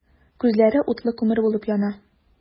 Күзләре утлы күмер булып яна.